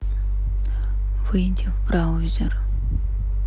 выйди в браузер